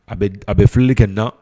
Bɛ a bɛ filɛli kɛ na